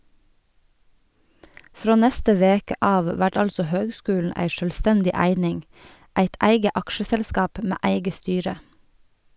Frå neste veke av vert altså høgskulen ei sjølvstendig eining, eit eige aksjeselskap med eige styre.